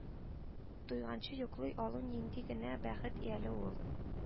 Туйганчы йоклый алу нинди генә бәхет әле ул